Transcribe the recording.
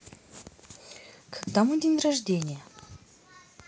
когда мой день рождения